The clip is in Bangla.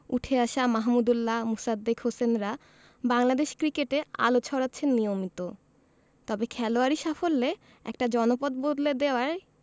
উঠে আসা মাহমুদউল্লাহ মোসাদ্দেক হোসেনরা বাংলাদেশ ক্রিকেটে আলো ছড়াচ্ছেন নিয়মিত তবে খেলোয়াড়ি সাফল্যে একটা জনপদ বদলে দেওয়ায়